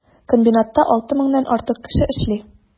Комбинатта 6 меңнән артык кеше эшли.